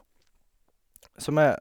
Som er...